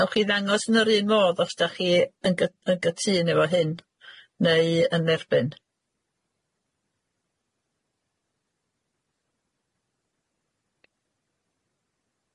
Newch chi ddangos yn yr un modd os dach chi yn gy- yn gytun efo hyn neu yn erbyn?